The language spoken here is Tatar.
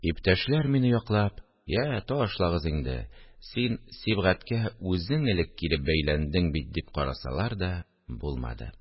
Иптәшләр, мине яклап: – Йә, ташлагыз инде, син Сибгатькә үзең элек килеп бәйләндең бит, – дип карасалар да, булмады